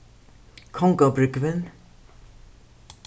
kongabrúgvin